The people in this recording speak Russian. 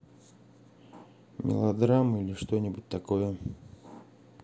мелодрамы или что нибудь такое